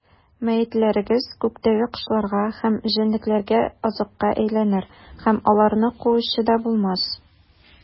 Мәетләрегез күктәге кошларга һәм җәнлекләргә азыкка әйләнер, һәм аларны куучы да булмас.